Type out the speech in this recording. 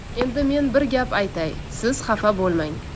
endi men bir gap aytay siz xafa bo'lmang